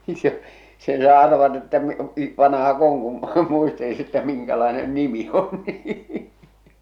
se sen saa arvata että -- vanhako on kun muisteli että minkälainen nimi on niin